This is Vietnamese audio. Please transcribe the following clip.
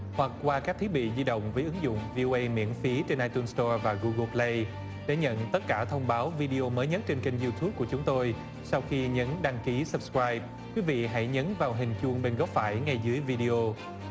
hoặc qua các thiết bị di động với ứng dụng vi ô ây miễn phí trên ai tun sờ to và gu gồ pờ lây để nhận tất cả thông báo vi đi ô mới nhất trên kênh diu túp của chúng tôi sau khi nhấn đăng ký sấp coai quý vị hãy nhấn vào hình chuông bên góc phải ngay dưới vi đi ô